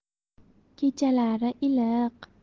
kechalari iliq